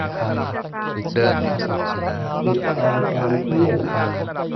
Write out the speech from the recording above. ปิดแอร์ตอนเที่ยง